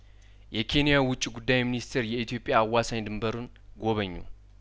የኬንያው ውጪ ጉዳይሚኒስተር የኢትዮጵያ አዋሳኝ ድንበሩን ጐበኙ